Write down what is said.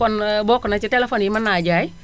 kon bokk na ci téléphone yi mën naa jaay